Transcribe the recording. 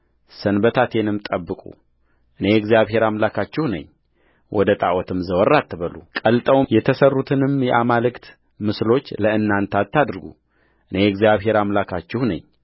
ሰንበታቴንም ጠብቁ እኔ እግዚአብሔር አምላካችሁ ነኝወደ ጣዖታትም ዘወር አትበሉ ቀልጠው የተሠሩትንም የአማልክት ምስሎች ለእናንተ አታድርጉ እኔ እግዚአብሔር አምላካችሁ ነኝ